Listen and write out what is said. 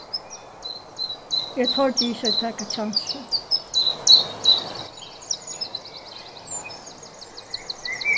eg tordi ikki at taka kjansin